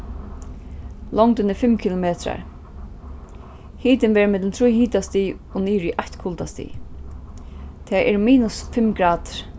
longdin er fimm kilometrar hitin verður millum trý hitastig og niður í eitt kuldastig tað eru minus fimm gradir